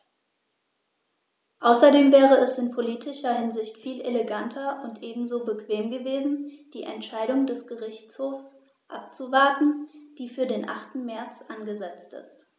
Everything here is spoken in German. Außerdem wäre es in politischer Hinsicht viel eleganter und ebenso bequem gewesen, die Entscheidung des Gerichtshofs abzuwarten, die für den 8. März angesetzt ist.